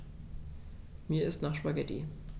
Mir ist nach Spaghetti.